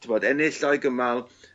t'bod ennill ddoi gymal